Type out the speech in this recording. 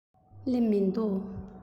སླེབས མི འདུག